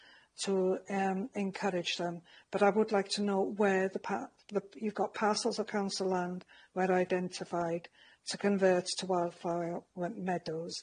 to erm encourage them. But I would like to know where the pa- the you've got parcels accounts of land were identified to convert to wildflower we- meadows.